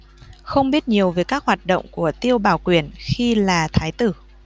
không biết nhiều về các hoạt động của tiêu bảo quyển khi là thái tử